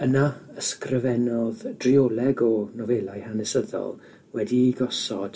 Yna ysgrifennodd drioleg o nofelau hanesyddol wedi'u gosod